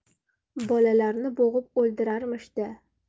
bolalarni bo'g'ib o'ldirarmish da